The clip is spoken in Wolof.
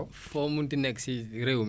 information météo moom mën nga ko am